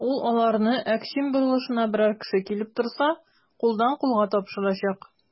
Ул аларны Әкчин борылышына берәр кеше килеп торса, кулдан-кулга тапшырачак.